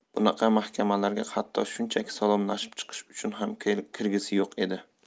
bunaqa mahkamalarga hatto shunchaki salomlashib chiqish uchun ham kirgisi yo'q edi